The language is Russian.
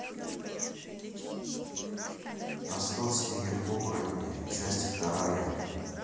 ростовские оборотни часть вторая